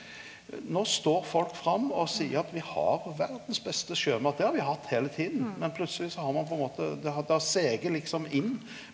nå står folk fram og seier at vi har verdas beste sjømat, det har vi hatt heile tida, men plutseleg så har ein på ein måte det har det har sige liksom inn.